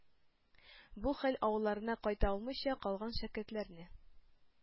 Бу хәл авылларына кайта алмыйча калган шәкертләрне